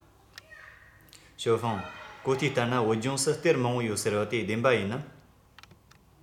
ཞའོ ཧྥུང གོ ཐོས ལྟར ན བོད ལྗོངས སུ གཏེར མང པོ ཡོད ཟེར བ དེ བདེན པ ཡིན ནམ